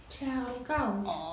sehän oli kaunis